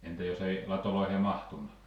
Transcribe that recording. entä jos ei latoihin mahtunut